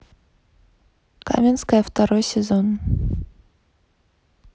каменская второй сезон